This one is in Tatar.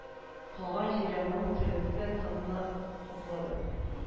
Калган җирәнүем терелде дә тынны каплады